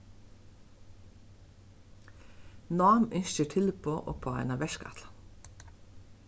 nám ynskir tilboð upp á eina verkætlan